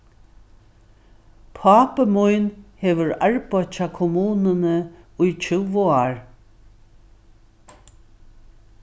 pápi mín hevur arbeitt hjá kommununi í tjúgu ár